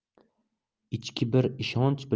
ichki bir ishonch